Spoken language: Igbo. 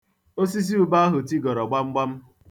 Osisi ube ahụ tigoro gbamgbam ahụ.